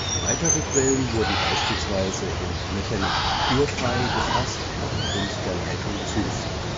Weitere Quellen wurden beispielsweise in Mechernich-Urfey gefasst und der Leitung zugeführt